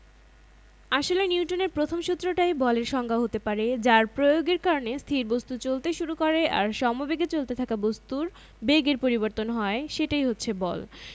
আসলে মৌলিক বল মাত্র চারটি সেগুলো হচ্ছে মহাকর্ষ বল তড়িৎ চৌম্বক বা বিদ্যুৎ চৌম্বকীয় বল দুর্বল নিউক্লিয় বল ও সবল নিউক্লিয় বল